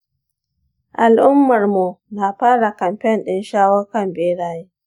al’ummarmu na fara kamfen ɗin shawo kan beraye.